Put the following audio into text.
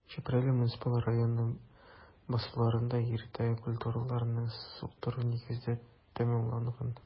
Чүпрәле муниципаль районы басуларында иртә культураларны суктыру нигездә тәмамланган.